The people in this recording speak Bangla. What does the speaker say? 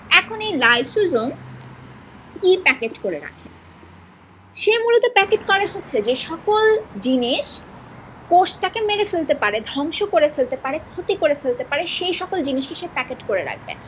এখনই লাইসোজোম কি প্যাকেট করে রাখে সে মূলত প্যাকেট করে হচ্ছে যে সকল জিনিস কোষ টা কে মেরে ফেলতে পারে ধ্বংস করে ফেলতে পারে ক্ষতি করে ফেলতে পারে সে সকল জিনিস কে সে প্যাকেট করে রাখবে